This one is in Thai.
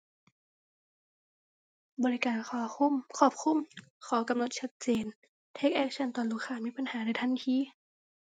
บริการคอคลุม ครอบคลุม ข้อกำหนดชัดเจน take action ตอนลูกค้ามีปัญหาในทันที